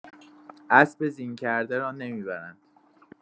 اسب زین کرده را نمی‌برند